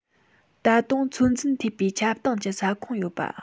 ད དུང ཚོད འཛིན ཐེབས པའི ཁྱབ སྟངས ཀྱི ས ཁོངས ཡོད པ